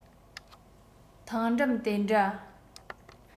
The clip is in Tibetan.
ཐང འགྲམ དེ འདྲ